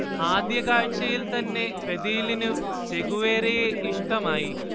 ആദ്യ കാഴ്ചയിൽ തന്നെ ഫെദിലീനു ചെഗുവേരയെ ഇഷ്ടമായി